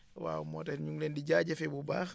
waaw moo tax it ñu ngi leen di jaajëfee bu baax